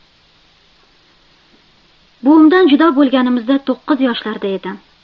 buvimdan judo bo'lganimizda to'qqiz yoshlarda edim